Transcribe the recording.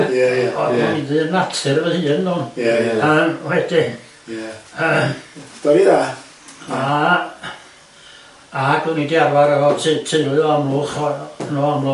Ia ia... Oni'n ddyn natur fy hun do'n? Ia ia... A wedyn yy... Stori dda... A ag oni 'di arfar efo t- teulu o Amlwch o Amlwch